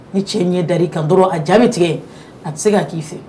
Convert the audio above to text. Ni cɛ ɲɛ da' i ka kanto dɔrɔn a jaabi tigɛ a tɛ se'a k'i fɛ